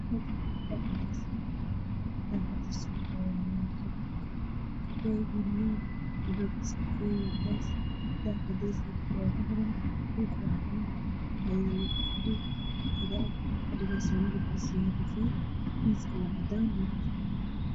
Meeshaan waa qol waxaa yaalo kuraas iyo fadhi midabkooda yahay madow iyo miisaas darbiga iyo dhulkuba caddaan